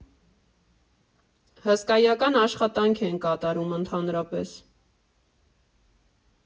Հսկայական աշխատանք են կատարում ընդհանրապես։